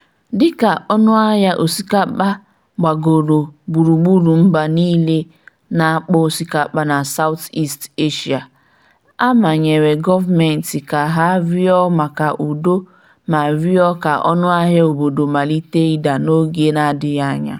Dịka ọnụahịa osikapa gbagoro gburugburu mba niile na-akọ osikapa na Southeast Asia, a manyere gọọmentị ka ha rịọ maka udo ma rịọ ka ọnụahịa obodo malite ịda n'oge n'adịghị anya.